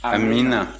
amiina